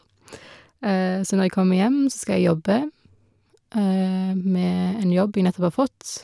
Så når jeg kommer hjem, så skal jeg jobbe med en jobb jeg nettopp har fått.